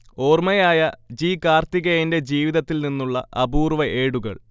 ഓർമയായ G. കാർത്തികേയന്റെ ജീവിതത്തിൽ നിന്നുള്ള അപൂർവ്വഏടുകൾ